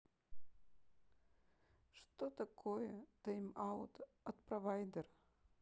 что такое тайм аут от провайдера